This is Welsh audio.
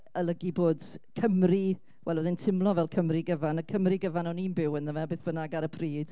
Olygu bod Cymru... Wel, oedd e'n teimlo fel Cymru gyfan. Y Cymru gyfan on i'n byw ynddo fe, beth bynnag ar y pryd.